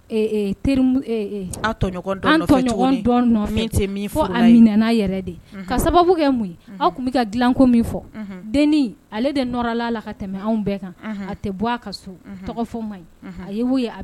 Fɔ ka sababu kɛ mun ye aw tun bɛ ka dilako min fɔ dennin ale deɔrɔla la ka tɛmɛ anw bɛɛ kan a tɛ bɔ a ka so tɔgɔ fɔ ma a